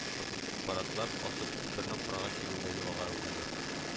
Фотоаппаратлар асып күперне карарга килүе бер йолага әверелде